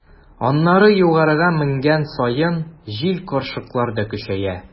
Аннары, югарыга менгән саен, җил-каршылыклар да көчәя.